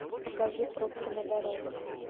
покажи пробки на дорогах